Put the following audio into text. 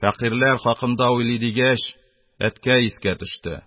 Фәкыйрьләр хакында уйлый, дигәч, әткәй искә төште: